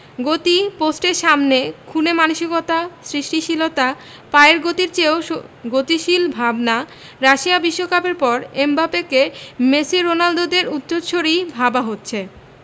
গতি পোস্টের সামনে খুনে মানসিকতা সৃষ্টিশীলতা পায়ের গতির চেয়েও গতিশীল ভাবনা রাশিয়া বিশ্বকাপের পর এমবাপ্পেকে মেসি রোনালদোদের উত্তরসূরিই ভাবা হচ্ছে